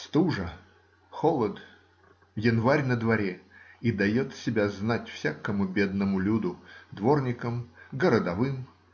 Стужа, холод. Январь на дворе и дает себя знать всякому бедному люду, дворникам, городовым